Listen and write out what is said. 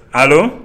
Allo